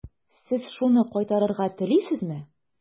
Сез шуны кайтарырга телисезме?